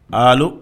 Aa